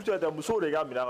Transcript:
Bɛ muso de'a minɛ